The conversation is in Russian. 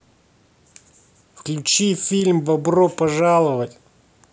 включи фильм бобро пожаловать